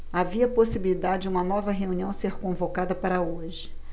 havia possibilidade de uma nova reunião ser convocada para hoje